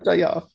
Joio.